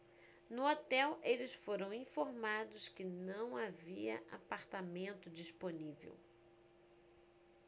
no hotel eles foram informados que não havia apartamento disponível